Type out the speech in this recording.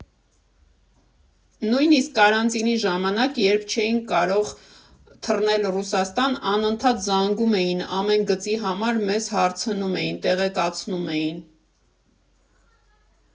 Նույնիսկ կարանտինի ժամանակ, երբ չէինք կարող թռնել Ռուսաստան, անընդհատ զանգում էին, ամեն գծի համար մեզ հարցնում էին, տեղեկացնում էին։